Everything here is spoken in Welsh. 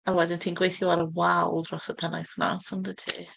A wedyn ti'n gweithio ar y wal dros y penwythnos, yn dwyt ti?